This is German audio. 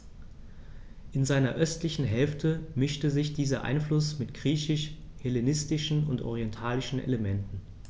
In seiner östlichen Hälfte mischte sich dieser Einfluss mit griechisch-hellenistischen und orientalischen Elementen.